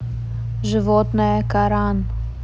животное каран